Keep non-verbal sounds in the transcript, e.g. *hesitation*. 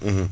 *hesitation* *hesitation*